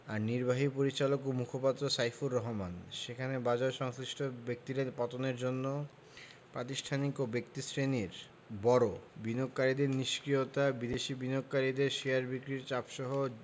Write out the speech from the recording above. এর নির্বাহী পরিচালক ও মুখপাত্র সাইফুর রহমান সেখানে বাজারসংশ্লিষ্ট ব্যক্তিরা পতনের জন্য প্রাতিষ্ঠানিক ও ব্যক্তিশ্রেণির বড় বিনিয়োগকারীদের নিষ্ক্রিয়তা বিদেশি বিনিয়োগকারীদের শেয়ার বিক্রির চাপসহ